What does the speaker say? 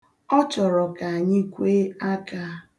Ọ chọrọ ka anyị kwee aka.